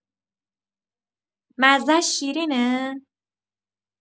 مزه‌ش شیرینه؟